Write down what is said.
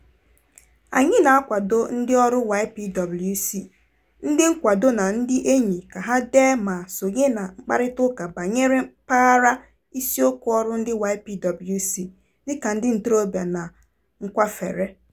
Anyị na-akwado ndịọrụ YPWC, ndị nkwado na ndị enyi ka ha dee ma sonye na mkparịtaụka banyere mpaghara isiokwu ọrụ ndị YPWC dịka ndị ntorobịa na nkwafere.